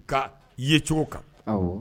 Ka yecogo kan